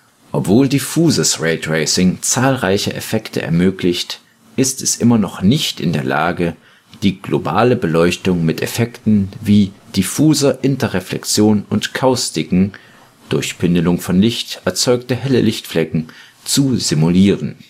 Obwohl diffuses Raytracing zahlreiche Effekte ermöglicht, ist es immer noch nicht in der Lage, die globale Beleuchtung mit Effekten wie diffuser Interreflexion und Kaustiken (durch Bündelung von Licht erzeugte helle Lichtflecken) zu simulieren